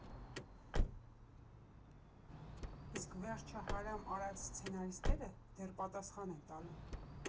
Իսկ վերջը հարամ արած սցենարիստները դեռ պատասխան են տալու։